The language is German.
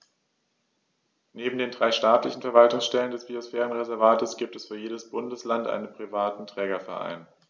Neben den drei staatlichen Verwaltungsstellen des Biosphärenreservates gibt es für jedes Bundesland einen privaten Trägerverein.